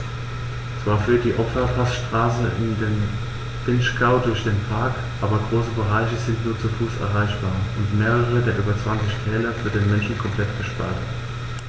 Zwar führt die Ofenpassstraße in den Vinschgau durch den Park, aber große Bereiche sind nur zu Fuß erreichbar und mehrere der über 20 Täler für den Menschen komplett gesperrt.